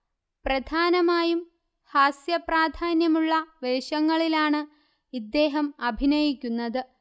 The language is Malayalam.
പ്രധാനമായും ഹാസ്യ പ്രാധാന്യമുള്ള വേഷങ്ങളിലാണ് ഇദ്ദേഹം അഭിനയിക്കുന്നത്